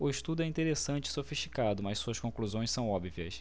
o estudo é interessante e sofisticado mas suas conclusões são óbvias